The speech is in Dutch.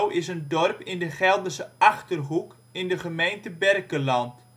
is een dorp in de Gelderse Achterhoek, in de gemeente Berkelland